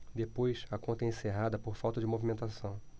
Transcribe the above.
depois a conta é encerrada por falta de movimentação